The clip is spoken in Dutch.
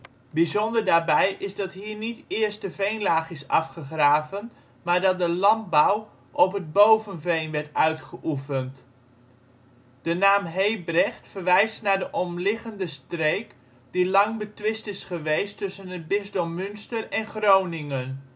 Bijzonder daarbij is dat hier niet eerst de veenlaag is afgegraven maar dat de landbouw op het bovenveen werd uitgeoefend. De naam Hebrecht verwijst naar de omliggende streek die lang betwist is geweest tussen het Bisdom Münster en Groningen